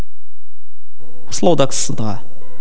الصداع